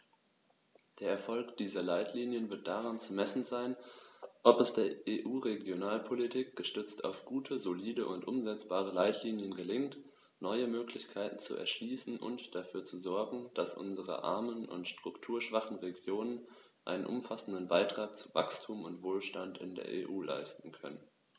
Der Erfolg dieser Leitlinien wird daran zu messen sein, ob es der EU-Regionalpolitik, gestützt auf gute, solide und umsetzbare Leitlinien, gelingt, neue Möglichkeiten zu erschließen und dafür zu sorgen, dass unsere armen und strukturschwachen Regionen einen umfassenden Beitrag zu Wachstum und Wohlstand in der EU leisten können.